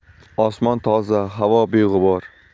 osmon toza havo beg'ubor